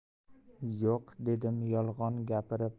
yo'q dedim yolg'on gapirib